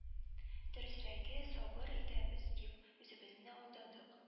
Дөресрәге сабыр итәбез дип үзебезне алдадык